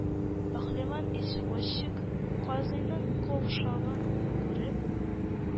Пәһлеван извозчик, казыйның каушавын күреп,